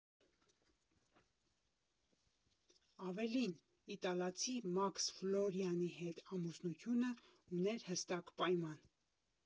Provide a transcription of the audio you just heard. Ավելին՝ իտալացի Մաքս Ֆլորիանիի հետ ամուսնությունը ուներ հստակ պայման.